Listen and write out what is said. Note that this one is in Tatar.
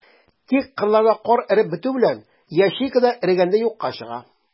Тик кырларда кар эреп бетү белән, ячейка да эрегәндәй юкка чыга.